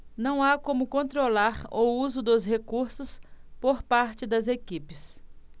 não há como controlar o uso dos recursos por parte das equipes